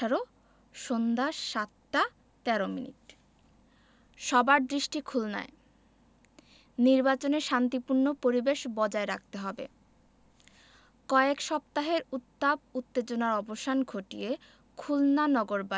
২০১৮ সন্ধ্যা ৭টা ১৩ মিনিট সবার দৃষ্টি খুলনায় নির্বাচনে শান্তিপূর্ণ পরিবেশ বজায় রাখতে হবে কয়েক সপ্তাহের উত্তাপ উত্তেজনার অবসান ঘটিয়ে